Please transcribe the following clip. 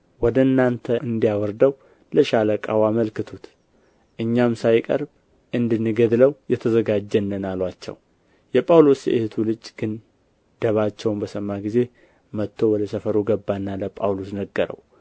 ወደ እናንተ እንዲያወርደው ለሻለቃው አመልክቱት እኛም ሳይቀርብ እንድንገድለው የተዘጋጀን ነን አሉአቸው የጳውሎስ የእኅቱ ልጅ ግን ደባቸውን በሰማ ጊዜ መጥቶ ወደ ሰፈሩ ገባና ለጳውሎስ ነገረው